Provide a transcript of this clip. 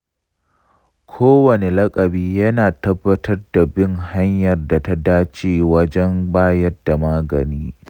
kowane lakabi yana tabbatar da bin hanyar da ta dace wajen bayar da magani.